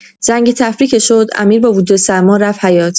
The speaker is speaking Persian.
زنگ تفریح که شد، امیر با وجود سرما رفت حیاط.